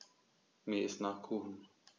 Mir ist nach Kuchen.